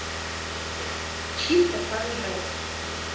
чисто поржать